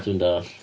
Dwi'n dallt.